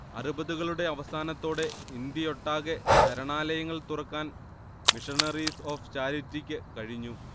അറുപതുകളുടെ അവസാനത്തോടെ ഇന്ത്യയൊട്ടാകെ ശരണാലയങ്ങൾ തുറക്കാൻ മിഷണറീസ് ഓഫ് ചാരിറ്റിക്ക് കഴിഞ്ഞു